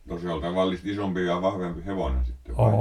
no se oli tavallista isompi ja vahvempi hevonen sitten vai